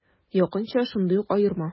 Якынча шундый ук аерма.